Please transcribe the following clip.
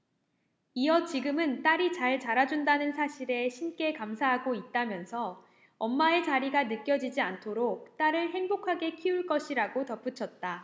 이어 지금은 딸이 잘 자라준다는 사실에 신께 감사하고 있다 면서 엄마의 자리가 느껴지지 않도록 딸을 행복하게 키울 것 이라고 덧붙였다